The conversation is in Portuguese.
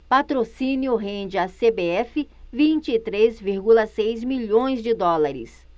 patrocínio rende à cbf vinte e três vírgula seis milhões de dólares